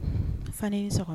Fane i ni sɔgɔ